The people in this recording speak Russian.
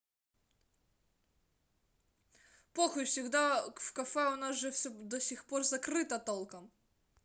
похуй всегда в кафе у нас же все до сих пор закрыто толком